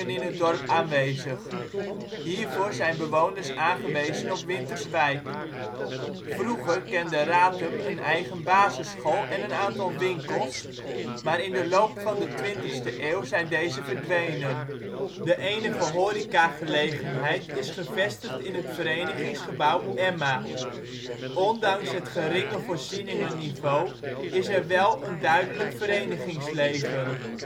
in het dorp aanwezig. Hiervoor zijn bewoners aangewezen op Winterswijk. Vroeger kende Ratum een eigen basisschool en een aantal winkels, maar in de loop van twintigste eeuw zijn deze verdwenen. De enige horecagelegenheid is gevestigd in het verenigingsgebouw Emma. Ondanks het geringe voorzieningenniveau is er wel een duidelijk verenigingsleven